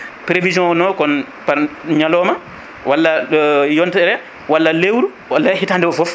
prévision o noon ko par ñalawma walla ɗo yontere walla lewru walla hitande o foof